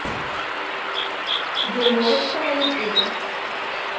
дюймовочка на ютубе